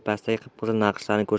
tepasidagi qip qizil naqshlarni ko'rsatdi